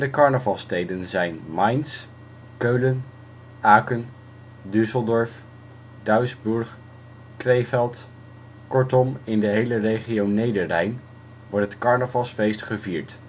carnavalssteden zijn Mainz, Keulen, Aken, Düsseldorf, Duisburg, Krefeld; kortom in de hele regio Nederrijn wordt het Carnavalsfeest gevierd